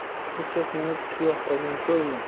eshak minib tuyoq tagini ko'rma